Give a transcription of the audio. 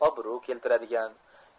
obro' keltiradigan